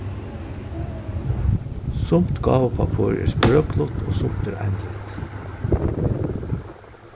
sumt gávupappír er sprøklut og sumt er einlitt